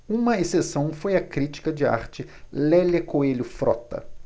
uma exceção foi a crítica de arte lélia coelho frota